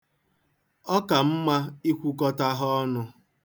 Ọ ka mma ikwukọta ha ọnụ.